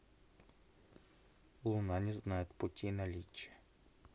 луна не знает пути наличие